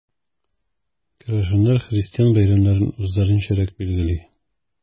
Керәшеннәр христиан бәйрәмнәрен үзләренчәрәк билгели.